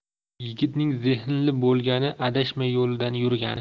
yigitning zehnli bo'lgani adashmay yo'lidan yurgani